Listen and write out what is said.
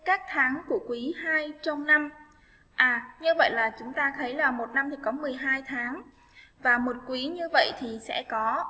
các tháng của quý hai trong năm à như vậy là chúng ta thấy là một năm có tháng và một quý như vậy thì sẽ có